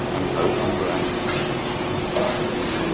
em thử coi vừa ăn chưa